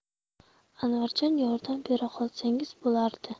anvarjon yordam bera qolsangiz bo'lardi